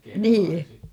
niin